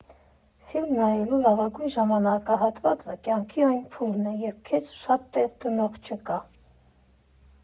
Ֆիլմ նայելու լավագույն ժամանակահատվածը կյանքի այն փուլն է, երբ քեզ շան տեղ դնող չկա։